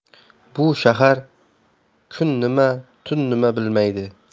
bu shahar kun nima tun nima bilmaydi